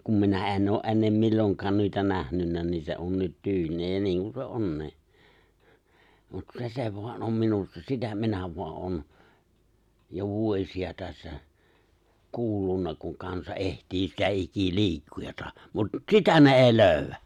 kun minä en ole ennen milloinkaan noita nähnyt niin se on nyt tyylinä ja niin kuin se onkin mutta se se vain on minussa sitä minä vain olen jo vuosia tässä kuullut kun kansa etsii sitä ikiliikkujaa mutta sitä ne ei löydä